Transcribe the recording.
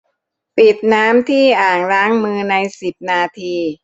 ปิดน้ำที่อ่างล้างมือในสิบนาที